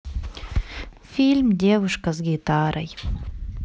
фильм девушка с гитарой